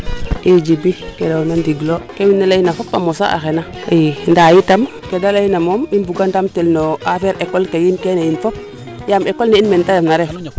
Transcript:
i Djiby ke leyoona ndigilo ke wiin we leyna fop a mosa a xena i ndaa yitam ke de leyna moom i mbuga ndam ten no affaire ecole ke yiin keene yiin fop yaam ecole ne in mene te refna ref